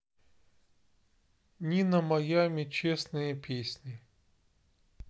нина маями честные песни